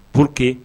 P que